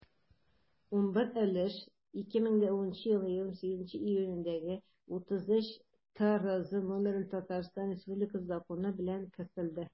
11 өлеш 2010 елның 28 июнендәге 33-трз номерлы татарстан республикасы законы белән кертелде.